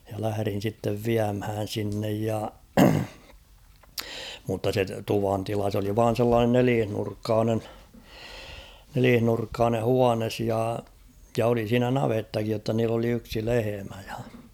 ja lähdin sitten viemään sinne ja mutta se tuvantila se oli vain sellainen nelinurkkainen nelinurkkainen huone ja ja oli siinä navettakin jotta niillä oli yksi lehmä ja